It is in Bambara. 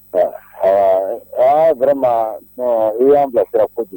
Ayiwa aa i y'an bila ko kojugu